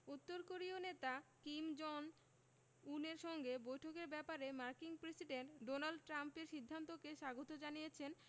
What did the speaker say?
উত্তর কোরীয় নেতা কিম জং উনের সঙ্গে বৈঠকের ব্যাপারে মার্কিন প্রেসিডেন্ট ডোনাল্ড ট্রাম্পের সিদ্ধান্তকে স্বাগত জানিয়েছেন